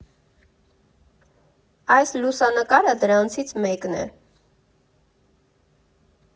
Այս լուսանկարը դրանիցից մեկն է։